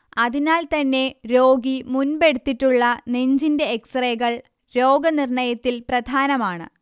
അതിനാൽ തന്നെ രോഗി മുൻപെടുത്തിട്ടുള്ള നെഞ്ചിന്റെ എക്സ്റേകൾ രോഗനിർണയത്തിൽ പ്രധാനമാണ്